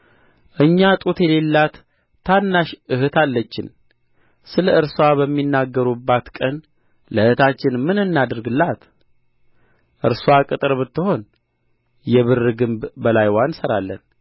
እኛ ጡት የሌላት ታናሽ እኅት አለችን ስለ እርስዋ በሚናገሩባት ቀን ለእኅታችን ምን እናድርግላት እርስዋ ቅጥር ብትሆን የብር ግንብ በላይዋ እንሠራለን